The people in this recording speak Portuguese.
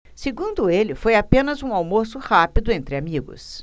segundo ele foi apenas um almoço rápido entre amigos